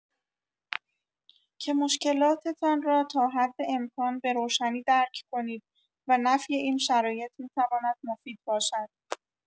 که مشکلاتتان را تا حدامکان به‌روشنی درک کنید و نفی این شرایط می‌تواند مفید باشد.